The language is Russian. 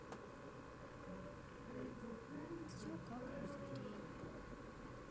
все как у зверей